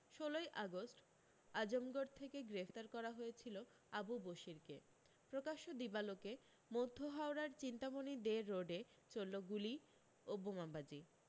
ষোলোই আগস্ট আজমগড় থেকে গ্রেফতার করা হয়েছিলো আবু বসিরকে প্রকাশ্য দিবালোকে মধ্য হাওড়ার চিন্তামণি দে রোডে চলল গুলি ও বোমাবাজি